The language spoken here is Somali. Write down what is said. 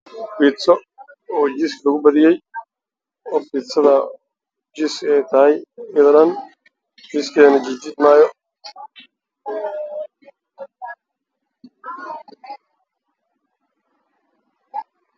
Waa biiso jiis lagu badiyay